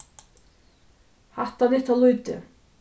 hatta nyttar lítið